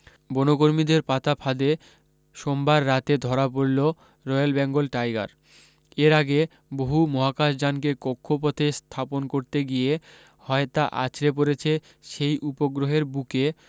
বনকর্মীদের পাতা ফাঁদে সোমবার রাতে ধরা পড়লো রয়্যাল বেঙ্গল টাইগার এর আগে বহু মহাকাশযানকে কক্ষপথে স্থাপন করতে গিয়ে হয় তা আছড়ে পড়েছে সেই উপগ্রহের বুকে